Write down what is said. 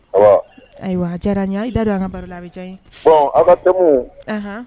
Ayiwa diyara n da an ka ka